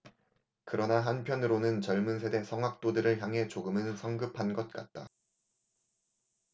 그러나 한편으로는 젊은 세대 성악도들을 향해 조금은 성급한 것 같다